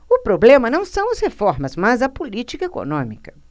o problema não são as reformas mas a política econômica